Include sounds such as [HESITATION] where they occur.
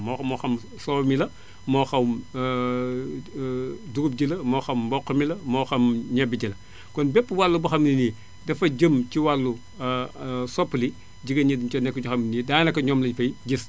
moo moo xam soow mi la moo xam [HESITATION] dugub ji la moo xam mboq mi la moo xam ñebe ji la [INHALES] kon bépp wàll boo xam ne nii dafa jëm ci wàllu [HESITATION] soppali jigéen ñi dañu see nekk daanaka ñoom lañu fay gis